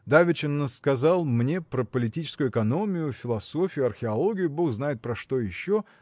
Давеча насказал мне про политическую экономию философию археологию бог знает про что еще